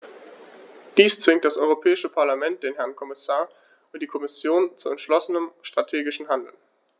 Dies zwingt das Europäische Parlament, den Herrn Kommissar und die Kommission zu entschlossenem strategischen Handeln.